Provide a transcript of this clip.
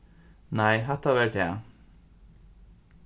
nei hatta var tað